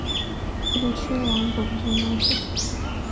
включи лампу в двенадцать